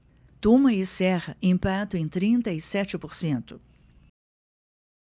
tuma e serra empatam em trinta e sete por cento